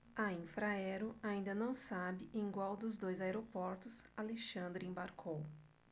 a infraero ainda não sabe em qual dos dois aeroportos alexandre embarcou